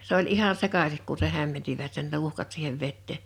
se oli ihan sekaisin kun sen hämmensivät sen tuhkat siihen veteen